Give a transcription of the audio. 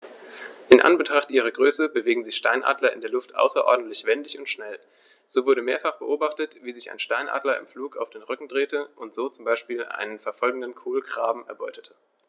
In Anbetracht ihrer Größe bewegen sich Steinadler in der Luft außerordentlich wendig und schnell, so wurde mehrfach beobachtet, wie sich ein Steinadler im Flug auf den Rücken drehte und so zum Beispiel einen verfolgenden Kolkraben erbeutete.